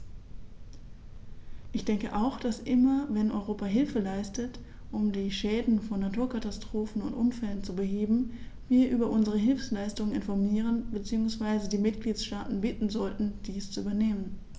Ich denke auch, dass immer wenn Europa Hilfe leistet, um die Schäden von Naturkatastrophen oder Unfällen zu beheben, wir über unsere Hilfsleistungen informieren bzw. die Mitgliedstaaten bitten sollten, dies zu übernehmen.